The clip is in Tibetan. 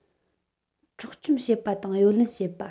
འཕྲོག བཅོམ བྱེད པ དང གཡོ ལེན བྱེད པ